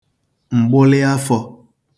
m̀gbụlị afọ̄